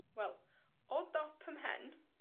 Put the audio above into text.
Wel, o dop 'ym mhen,